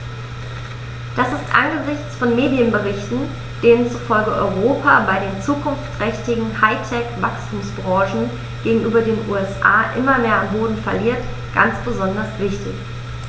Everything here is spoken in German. Das ist angesichts von Medienberichten, denen zufolge Europa bei den zukunftsträchtigen High-Tech-Wachstumsbranchen gegenüber den USA immer mehr an Boden verliert, ganz besonders wichtig.